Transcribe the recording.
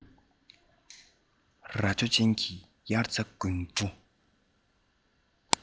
རྭ ཅོ ཅན གྱི དབྱར རྩྭ དགུན འབུ